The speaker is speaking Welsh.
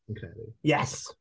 Fi'n credu. Yes!